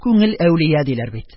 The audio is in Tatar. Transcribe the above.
Күңел - әүлия, диләр бит